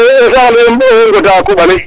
`e saax le owey ŋoda a koɓale